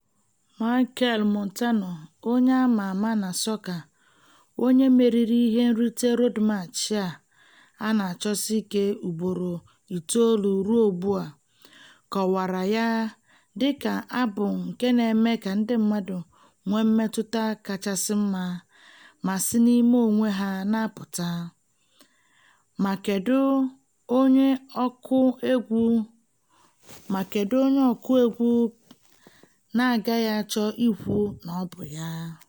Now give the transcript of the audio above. Machel Montano, onye a ma ama na sọka, onye meriri ihe nrite Road March a na-achọsi ike ugboro itoolu ruo ugbu a, kọwara ya dị ka "abụ nke na-eme ka ndị mmadụ nwee mmetụta kachasị mma ma si n'ime onwe ha na-apụta"— ma kedu onye ọkụ egwu na-agaghị achọ ikwu na ọ bụ ya?